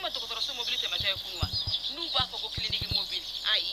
Dɔgɔtɔrɔ so mɔbili tɛmɛ ye furu wa n'u b'a fɔ ko kelen ni mɔbili ayi